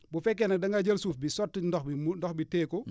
bu fekkee nag da nga jël suuf bi sotti ndox bi mu ndox bi téye ko